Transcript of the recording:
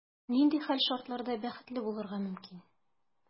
Нинди хәл-шартларда бәхетле булырга мөмкин?